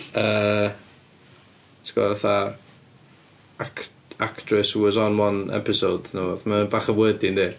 Yym ti'n gwbo' fatha... Actr- actress who was on one episode neu rywbath, mae o bach yn wordy yndi?